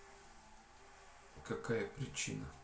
какая причина